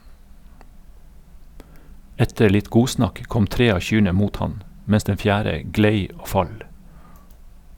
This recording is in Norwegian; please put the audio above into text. Etter litt godsnakk kom tre av kyrne mot han, mens den fjerde glei og fall.